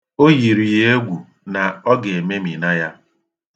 O yiri ya egwu na ọ ga-ememina ya.